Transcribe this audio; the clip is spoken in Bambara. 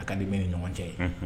A ka di bɛ ni ɲɔgɔn cɛ ye